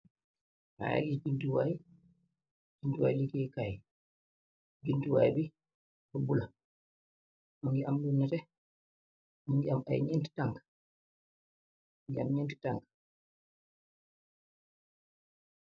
Naar yi gintuwaay gintuwaay liggée kaay gintuwaay bi bubbula mu ngi am lunate mi ngi am ay ñent tàng ngi am ñenti tàng